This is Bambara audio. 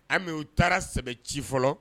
An bɛ u taara sɛ ci fɔlɔ